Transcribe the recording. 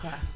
waaw